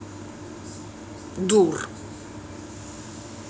дур